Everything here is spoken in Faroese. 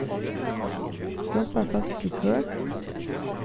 hjálparfólk til køk